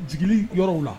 Jigi yɔrɔ o la